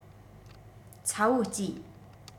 ཚ བོ གཅེས